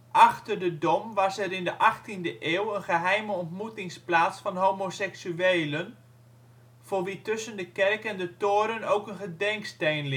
achter de Dom was er in de achttiende eeuw een geheime ontmoetingsplaats van homoseksuelen (voor wie tussen de kerk en de toren ook een gedenksteen